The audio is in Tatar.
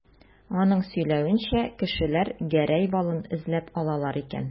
Аның сөйләвенчә, кешеләр Гәрәй балын эзләп алалар икән.